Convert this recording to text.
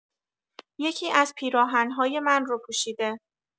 یکی‌از پیراهن‌های من رو پوشیده